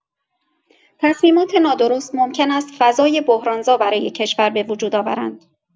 تصمیمات نادرست ممکن است فضای بحران‌زا برای کشور به وجود آورند.